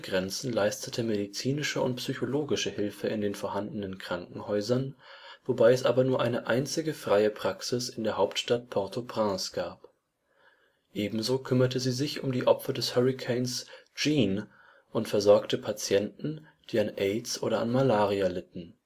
MSF leistete medizinische und psychologische Hilfe in den vorhandenen Krankenhäusern, wobei es aber nur eine einzige freie Praxis in der Hauptstadt Port-au-Prince gab. Ebenso kümmerte sie sich um die Opfer des Hurrikans Jeanne und versorgte Patienten, die an AIDS oder an Malaria litten